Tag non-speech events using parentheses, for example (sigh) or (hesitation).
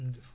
(hesitation)